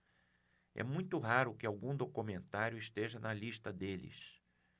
é muito raro que algum documentário esteja na lista deles